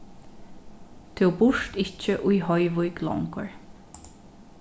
tú býrt ikki í hoyvík longur